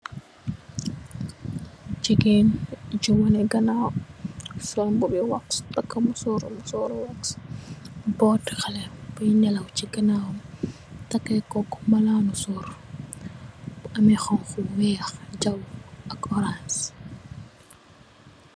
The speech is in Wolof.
Jigeen ju wone ganaw sol mbubu wax taka musurr musurr musurr musurr wax bood xale boi nelew si ganawam takeko malan musurr bu ame xonxu weex cxaw ak orance.